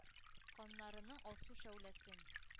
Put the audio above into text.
Каннарының алсу шәүләсен...